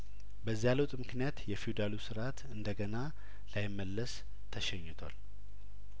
በዚያ ለውጥ ምክንያት የፊውዳሉ ስርአት እንደገና ላይ መለስ ተሸኝቷል